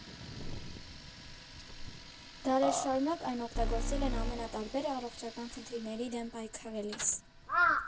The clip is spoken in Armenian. Դարեր շարունակ այն օգտագործել են ամենատարբեր առողջական խնդիրների դեմ պայքարելիս։